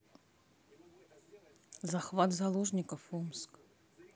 захват заложников омск